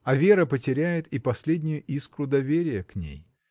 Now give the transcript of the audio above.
А Вера потеряет и последнюю искру доверия к ней.